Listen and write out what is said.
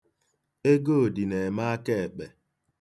Egodị na-eme akaekpe.